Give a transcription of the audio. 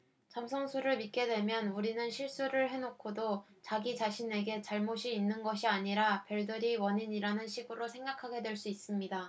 점성술을 믿게 되면 우리는 실수를 해 놓고도 자기 자신에게 잘못이 있는 것이 아니라 별들이 원인이라는 식으로 생각하게 될 수 있습니다